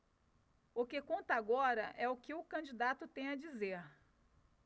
o que conta agora é o que o candidato tem a dizer